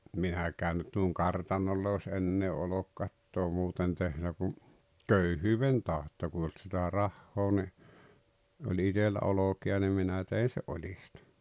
minäkään nyt noin kartanolle olisi enää olkikattoa muuten tehnyt kuin köyhyyden tautta kun ei ollut sitä rahaa niin oli itsellä olkia niin minä tein sen oljista